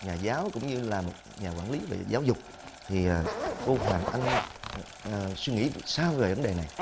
nhà giáo cũng như là một nhà quản lý về giáo dục thì cô hoàng anh suy nghĩ sao về vấn đề này